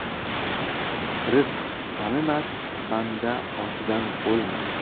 rizq kamimas banda ochidan o'lmas